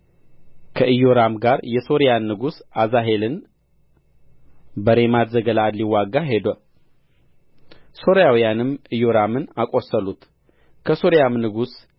ከኢዮራም ጋር የሶርያን ንጉሥ አዛሄልን በሬማት ዘገለአድ ሊዋጋ ሄደ ሶርያውያንም ኢዮራንም አቈሰሉት ከሶርያም ንጉሥ